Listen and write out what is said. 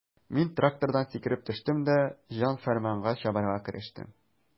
Мин трактордан сикереп төштем дә җан-фәрманга чабарга керештем.